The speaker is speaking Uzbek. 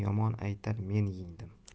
yomon aytar men yengdim